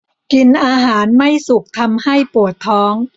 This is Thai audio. กินอาหารไม่สุกทำให้ปวดท้อง